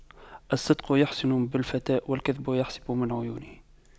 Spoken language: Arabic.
الصدق يحسن بالفتى والكذب يحسب من عيوبه